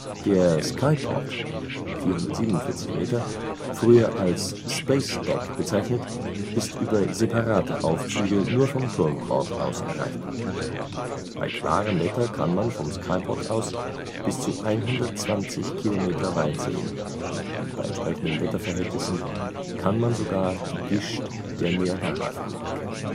Der Sky Pod (447 Meter), früher als Space Deck bezeichnet, ist über separate Aufzüge nur vom Turmkorb aus erreichbar. Bei klarem Wetter kann man vom Sky Pod aus bis zu 120 Kilometer weit sehen, bei entsprechenden Wetterverhältnissen kann man sogar die Gischt der Niagarafälle erkennen